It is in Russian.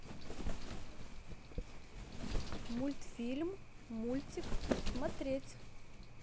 мультфильм мультик смотреть